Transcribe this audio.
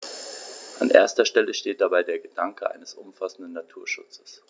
An erster Stelle steht dabei der Gedanke eines umfassenden Naturschutzes.